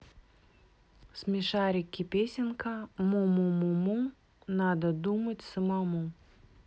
смешарики песенка мумумуму надо думать самому